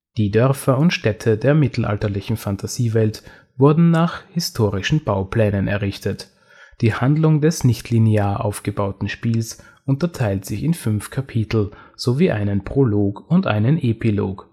Die Dörfer und Städte der mittelalterlichen Fantasiewelt wurden nach historischen Bauplänen errichtet. Die Handlung des nicht-linear aufgebauten Spiels unterteilt sich in fünf Kapitel sowie einen Prolog und einen Epilog